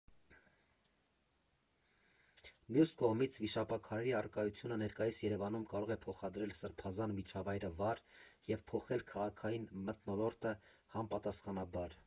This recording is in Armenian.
Մյուս կողմից՝ վիշապաքարերի առկայությունը ներկայիս Երևանում կարող է փոխադրել սրբազան միջավայրը վար և փոխել քաղաքային մթնոլորտը համապատասխանաբար։